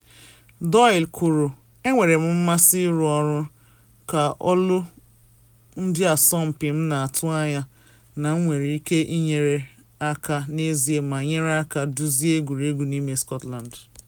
Doyle kwuru: “Enwere m mmasị ịrụ ọrụ ka olu ndị asọmpi, m na atụ anya na m nwere ike ịnyere aka n’ezie ma nyere aka duzie egwuregwu n’ime Scotland.”